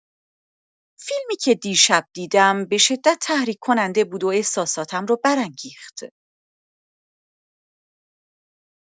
فیلمی که دیشب دیدم، به‌شدت تحریک‌کننده بود و احساساتم را برانگیخت.